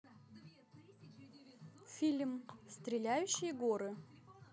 фильм стреляющие горы